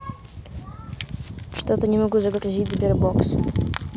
что то не могу загрузить sberbox